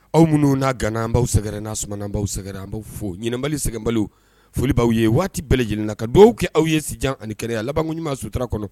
Aw minnu n'aganaan baw sɛgɛngɛrɛ n'a sumanaan baw sɛgɛrɛan fo ɲininkaanma sɛgɛnba folibaw ye waati bɛɛ lajɛlenna ka dugawu kɛ aw ye sijan ani kɛnɛyaya labankoɲuman ɲumanma sutura kɔnɔ